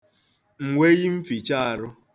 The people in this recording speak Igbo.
m̀weyinfìcheārụ̄